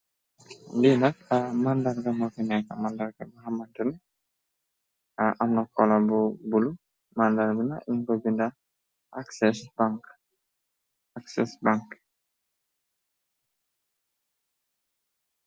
Li nak màndarga mofineek mandarga bu xamartene amna kola bu bulu màndar bi nak nung fa binda acses bank.